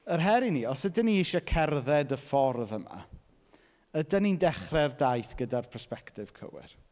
Yr her i ni os ydyn ni isie cerdded y ffordd yma ydyn ni'n dechrau'r daith gyda'r perspectif cywir?